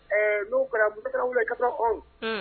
N'u kɛra mu wele ka aw